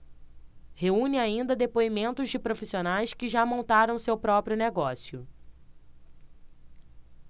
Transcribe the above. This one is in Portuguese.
reúne ainda depoimentos de profissionais que já montaram seu próprio negócio